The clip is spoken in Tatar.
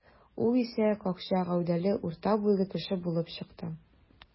Ул исә какча гәүдәле, урта буйлы кеше булып чыкты.